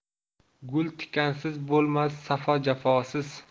gul tikansiz bo'lmas safo jafosiz